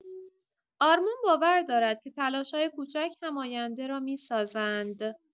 آرمان باور دارد که تلاش‌های کوچک هم آینده را می‌سازند.